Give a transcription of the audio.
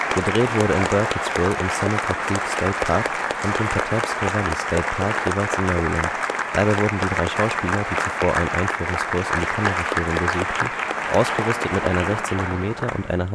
Gedreht wurde in Burkittsville, im Seneca Creek State Park und dem Patapsco Valley State Park (jeweils in Maryland). Dabei wurden die drei Schauspieler, die zuvor einen Einführungskurs in die Kameraführung besuchten, ausgerüstet mit einer 16mm - und einer